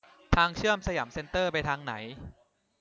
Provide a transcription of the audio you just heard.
ทางเชื่อมสยามเซนเตอร์ไปทางไหน